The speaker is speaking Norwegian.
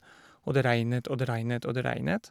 Og det regnet, og det regnet, og det regnet.